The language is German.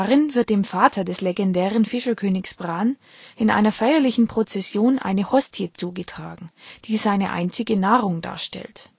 in der dem Vater des legendären Fischerkönigs Bran in einer feierlichen Prozession eine Hostie zugetragen wird, die seine einzige Nahrung darstellt